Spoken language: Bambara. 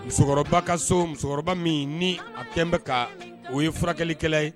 Musokɔrɔba ka so musokɔrɔba min ni a bɛnbɛn ka o ye furakɛlikɛla ye